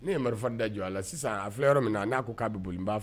N'e ye marifa da jɔ a la sisan a filɛ yɔrɔ min na n'a ko k'a bɛ boli n ba